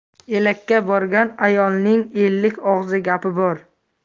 elakka borgan ayolning ellik og'iz gapi bor